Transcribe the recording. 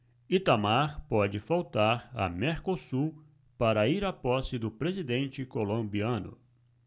itamar pode faltar a mercosul para ir à posse do presidente colombiano